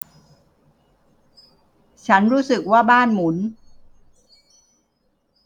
ฉันรู้สึกว่าบ้านหมุน